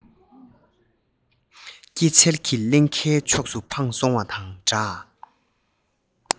སྐྱེད ཚལ གྱི གླིང གའི ཕྱོགས སུ འཕངས སོང བ འདྲ